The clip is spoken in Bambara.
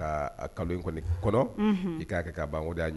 Kɛ ban